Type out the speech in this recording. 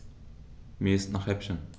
Mir ist nach Häppchen.